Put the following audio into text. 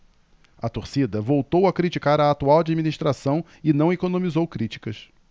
a torcida voltou a criticar a atual administração e não economizou críticas